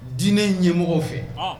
Dinɛ in ɲɛ mɔgɔw fɛ